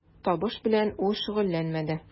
Табыш белән ул шөгыльләнмәде.